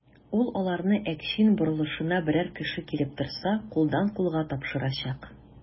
Ул аларны Әкчин борылышына берәр кеше килеп торса, кулдан-кулга тапшырачак.